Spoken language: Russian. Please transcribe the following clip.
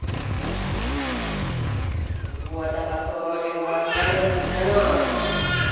вот а потом у него отвалился нос